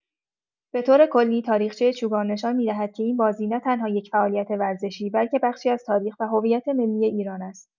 به‌طور کلی، تاریخچه چوگان نشان می‌دهد که این بازی نه‌تنها یک فعالیت ورزشی بلکه بخشی از تاریخ و هویت ملی ایران است.